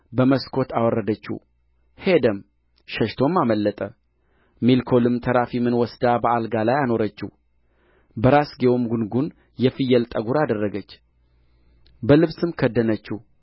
በመስኮት አወረደችው ሄደም ሸሽቶም አመለጠ ሜልኮልም ተራፊምን ወስዳ በአልጋ ላይ አኖረችው በራስጌውም ጕንጕን የፍየል ጠጉር አደረገች በልብስም ከደነችው